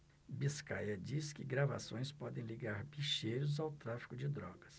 biscaia diz que gravações podem ligar bicheiros ao tráfico de drogas